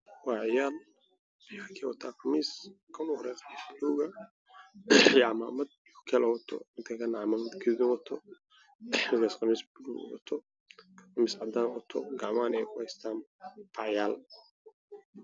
Waa masaajid waxaa fadhiya niman iyo wiilal waxay wataan qamisa cimaamado guduud